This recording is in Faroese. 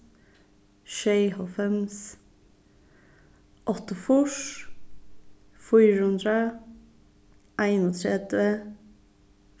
sjeyoghálvfems áttaogfýrs fýra hundrað einogtretivu